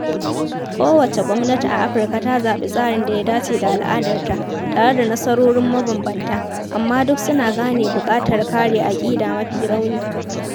Kowace gwamnati a Afirka ta zaɓi tsarin da ya dace da al'adarta, tare da nasarorin mabambanta, amma duk suna gane buƙatar kare aƙida mafi rauni.